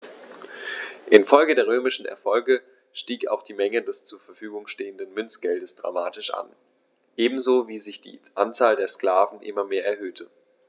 Infolge der römischen Erfolge stieg auch die Menge des zur Verfügung stehenden Münzgeldes dramatisch an, ebenso wie sich die Anzahl der Sklaven immer mehr erhöhte.